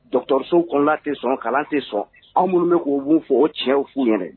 Do dɔgɔtɔrɔso kɔnɔ tɛ sɔn kalan tɛ sɔn anw minnu bɛ k'u b'u fɔ o cɛn fuu minɛ